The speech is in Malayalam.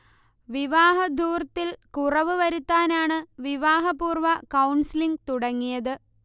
വിവാഹധൂർത്തിൽ കുറവ് വരുത്താനാണ് വിവാഹപൂർവ്വ കൗൺസിലിങ് തുടങ്ങിയത്